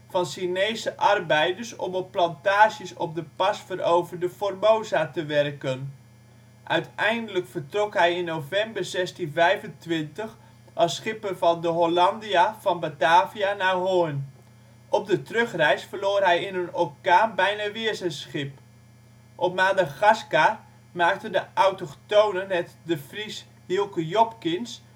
van Chinese arbeiders om op plantages op het pas veroverde Formosa te werken. Uiteindelijk vertrok hij in november 1625 als schipper van de Hollandia van Batavia naar Hoorn. Op de terugreis verloor hij in een orkaan bijna weer zijn schip. Op Madagaskar maakten de autochtonen het de Fries Hilke Jopkins